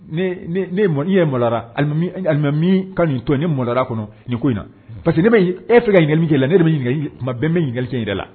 Ye mralimami ka nin tɔ ne mɔnra kɔnɔ nin ko in na pa que ne bɛ ee fɛ ka ɲininkalikɛ e la ne bɛ ɲininka tuma bɛn bɛ ɲininkalikɛ e yɛrɛ la